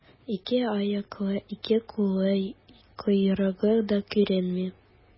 Ике аяклы, ике куллы, койрыгы да күренми.